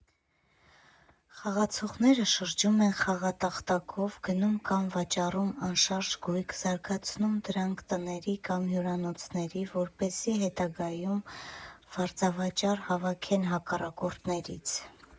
Խաղացողները շրջում են խաղատախտակով, գնում կամ վաճառում անշարժ գույք, զարգացնում դրանք տների կամ հյուրանոցների, որպեսզի հետագայում վարձավճար հավաքեն հակառակորդներից։